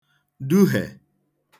duhè